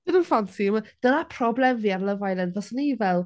I didn't fancy him. Dyna problem fi ar Love Island. Fyswn i fel...